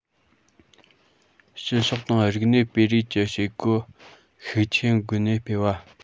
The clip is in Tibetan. ཕྱི ཕྱོགས དང རིག གནས སྤེལ རེས ཀྱི བྱེད སྒོ ཤུགས ཆེན སྒོ ནས སྤེལ བ